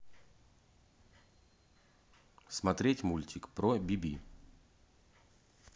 смотреть мультик про би би